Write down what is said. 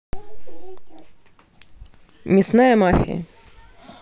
мясная мафия